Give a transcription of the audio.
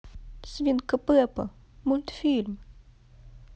свинка пеппа мультфильм